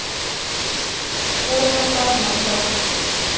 порно порнуха